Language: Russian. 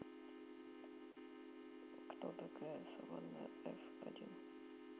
кто такая саванна ф один